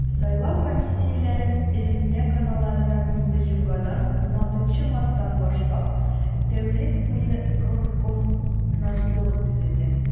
Сайлау комиссияләрен элемтә каналларын инде җомгадан, 16 марттан башлап, тәүлек буе Роскомнадзор күзәтә.